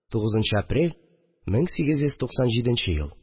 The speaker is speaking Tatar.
9 нчы апрель, 1897 ел